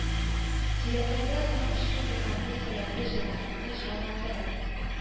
Сирәкләрдә генә очрый торган бу сәләте җәмәгатьне җанландырып,